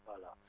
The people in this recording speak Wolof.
voilà